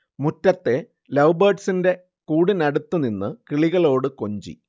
മുറ്റത്തെ ലൗബേഡ്സിന്റെ കൂടിനടുത്ത് നിന്ന് കിളികളോട് കൊഞ്ചി